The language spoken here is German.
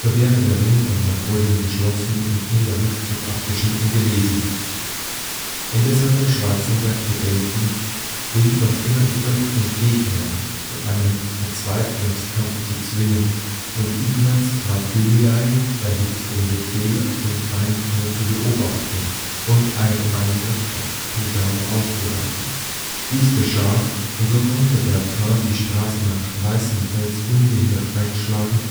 wäre der Ring um Napoleon geschlossen und ihm der Rückzug abgeschnitten gewesen. Indes hatte Schwarzenberg Bedenken, den noch immer gefürchteten Gegner zu einem Verzweiflungskampf zu zwingen, und Ignaz Graf Gyulay erhielt den Befehl, den Feind nur zu beobachten und einem Angriff auf Pegau auszuweichen. Dies geschah, und so konnte Bertrand die Straße nach Weißenfels ungehindert einschlagen